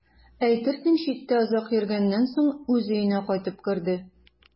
Әйтерсең, читтә озак йөргәннән соң үз өенә кайтып керде.